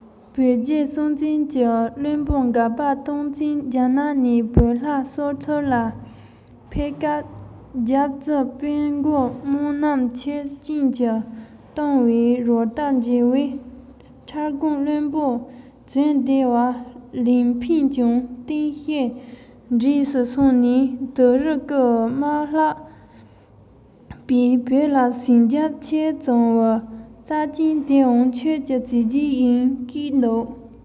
བོད རྗེ སྲོང བཙན གྱི བློན པོ མགར བ སྟོང བཙན རྒྱ ནག ནས བོད ལྷ གསོལ ཚུལ ལ ཕེབས སྐབས རྒྱབ རྫི དཔོན འགོ དམངས རྣམས ཁྱོད ཅན གྱི བཏུང བས རོ ལྟར འགྱེལ བས འཕྲལ སྒང བློན པོ བྱོན བདེ བ ལན ཕན ཀྱང རྟིང ཞེ འགྲས སུ སོང ནས དུ རུ ཀའི དམག ལྷགས པས བོད ལ ཟན རྒྱག ཆེར བྱུང བའི རྩ རྐྱེན དེའང ཁྱོད ཀྱི བྱས རྗེས ཡིན སྐད འདུག